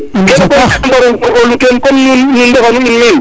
kene koy gan mbaro ngorgorlu ten comme nuun nun ndefa nu in men